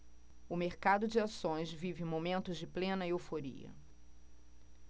o mercado de ações vive momentos de plena euforia